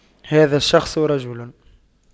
هذا الشخص رجل